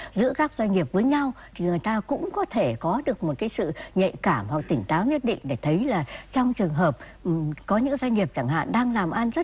giữa các doanh nghiệp với nhau thì người ta cũng có thể có được một cái sự nhạy cảm hoặc tỉnh táo nhất định để thấy là trong trường hợp có những doanh nghiệp chẳng hạn đang làm ăn rất